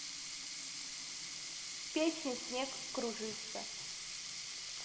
песня снег кружится